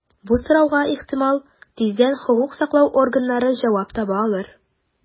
Бу сорауга, ихтимал, тиздән хокук саклау органнары җавап таба алыр.